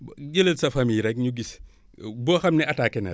ba jëlel sa famille rekk ñu gis boo xam ne attaqué na rekk